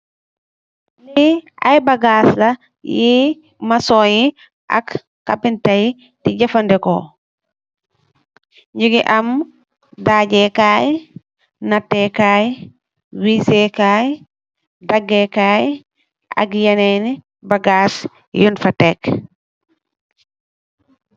Li aye bagass si masong la, making yi ak carpenter ta yi mum lanj de jaffa ndikuh nyunge am daheh kai nateh kai wessex kai dageh kai ak yenen bagass yunj fa tek